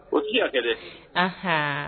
O tɛ se ka kɛ. Anhan